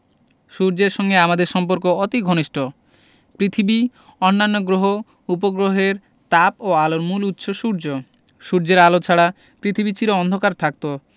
সূর্যের সঙ্গে আমাদের সম্পর্ক অতি ঘনিষ্ট পৃথিবী অন্যান্য গ্রহ উপগ্রহের তাপ ও আলোর মূল উৎস সূর্য সূর্যের আলো ছাড়া পৃথিবী চির অন্ধকার থাকত